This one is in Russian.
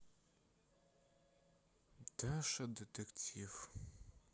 даша детектив